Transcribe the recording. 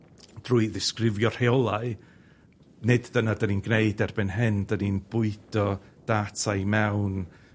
drwy ddisgrifio rheolau nid dyna 'dan ni'n gneud erbyn hyn 'dyn ni'n bwydo data i mewn